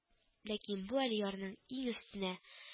Әкин бу әле ярның иң өстенә м